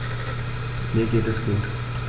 Mir geht es gut.